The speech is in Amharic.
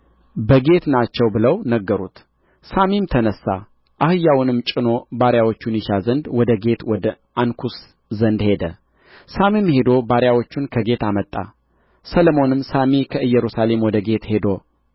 በጌት ናቸው ብለው ነገሩት ሳሚም ተነሣ አህያውንም ጭኖ ባሪያዎቹን ይሻ ዘንድ ወደ ጌት ወደ አንኩስ ዘንድ ሄደ ሳሚም ሄዶ ባሪያዎቹን ከጌት አመጣ ሰሎሞንም ሳሚ ከኢየሩሳሌም ወደ ጌት ሄዶ